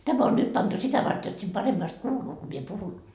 tämä on nyt pantu sitä varten jotta sitten paremmasti kuuluu kun minä puhun